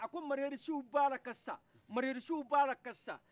a ko mariresuw b' a la ka sa mariresuw b' a la ka sa